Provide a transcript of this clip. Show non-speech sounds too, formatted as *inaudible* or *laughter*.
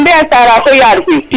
to anda ye a Sarare fo *unintelligible*